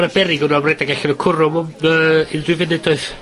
O' 'na berryg o' nw am redeg allan o cwrw mewn yy unrhyw funud doedd?